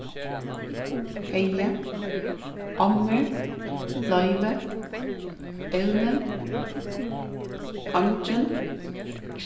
hevði ommur loyvi evnið eingin